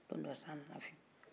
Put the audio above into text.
don dɔ san nana fin